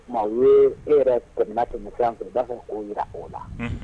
O ye e yɛrɛ tɛmɛ tɛmɛ mu i b'a fɔ' jira o la